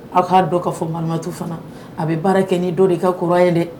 Aw ka dɔn k'a fɔ muhalimatu fana, a bɛ baara kɛ ni dɔ de ka courant ye dɛ